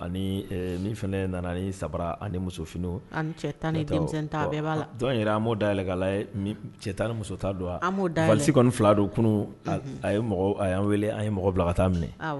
Ani nin fana nana ni sabara ani musof tan'a la jɔn yɛrɛ a ma daɛlɛn cɛ tan ni muso don kɔni fila don kunun a ye' wele an ye mɔgɔ bila ka taa minɛ